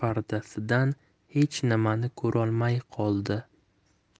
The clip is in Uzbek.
pardasidan hech nimani ko'rolmay qoldi